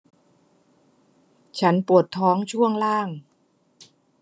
ฉันปวดท้องช่วงล่าง